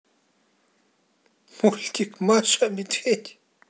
мультик маша медведь